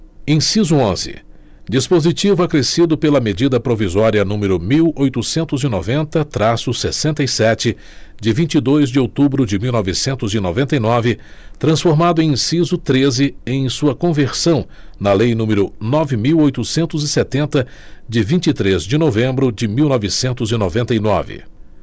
inciso onze dispositivo acrescido pela medida provisória número mil oitocentos e noventa traço sessenta e sete de vinte e dois de outubro de mil novecentos e noventa e nove transformado em inciso treze em sua conversão na lei número nove mil oitocentos e setenta de vinte e três de novembro de mil novecentos e noventa e nove